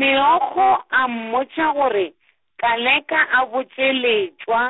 Meokgo a mmotša gore, Koleka a botše Letšwa